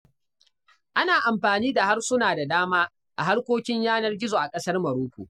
Ana amfani da harsuna da dama a harkokin yanar gizo a ƙasar Marocco.